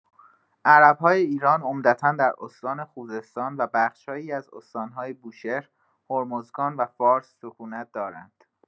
عرب‌های ایران عمدتا در استان خوزستان و بخش‌هایی از استان‌های بوشهر، هرمزگان و فارس سکونت دارند.